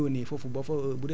day am lu ñu fa bàyyi